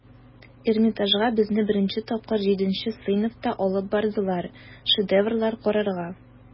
Эрмитажга безне беренче тапкыр җиденче сыйныфта алып бардылар, шедеврлар карарга.